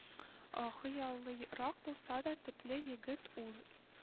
Хыялыйрак булса да, төпле егет ул